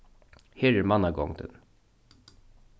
her er mannagongdin